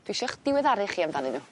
dwi isio'ch diweddaru chi amdanyn n'w.